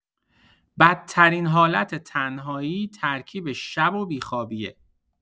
بدترین حالت تنهایی ترکیب شب و بی‌خوابیه.